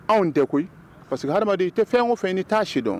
Anw tɛ koyi parce hadama i tɛ fɛn ko fɛ n t'a se dɔn